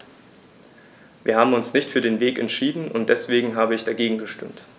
Wir haben uns nicht für diesen Weg entschieden, und deswegen habe ich dagegen gestimmt.